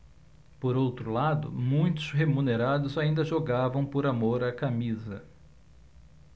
por outro lado muitos remunerados ainda jogavam por amor à camisa